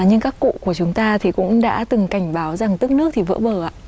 như các cụ của chúng ta thì cũng đã từng cảnh báo rằng tức nước thì vỡ bờ ạ